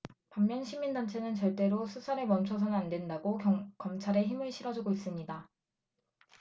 반면 시민단체는 절대로 수사를 멈춰서는 안 된다고 검찰에 힘을 실어주고 있습니다